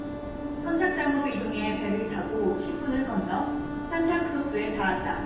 선착장으로 이동해 배를 타고 십 분을 건너 산타크루스에 닿았다